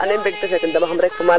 mi ne e Njounga Faye geno Ndoundokh